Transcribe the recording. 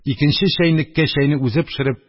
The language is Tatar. Икенче чәйнеккә чәйне үзе пешереп,